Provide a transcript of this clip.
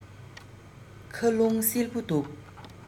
ཁ རླུང བསིལ པོ འདུག